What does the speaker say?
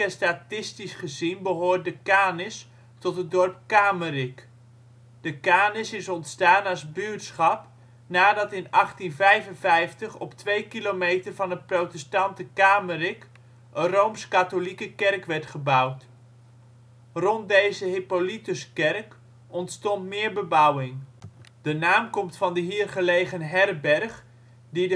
statistisch gezien behoort de Kanis tot het dorp Kamerik. De Kanis is ontstaan als buurtschap nadat in 1855 op twee kilometer van het protestante Kamerik een rooms-katholieke kerk werd gebouwd. Rond deze Hippolytuskerk ontstond meer bebouwing. De naam komt van de hier gelegen herberg die